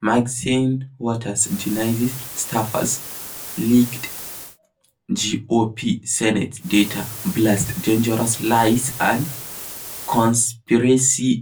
Maxine Waters denies staffer leaked GOP senators' data, blasts 'dangerous lies' and 'conspiracy